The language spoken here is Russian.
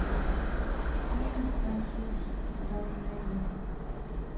фильм француз продолжение